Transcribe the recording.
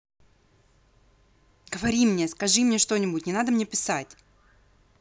говори мне скажи мне что нибудь не надо мне писать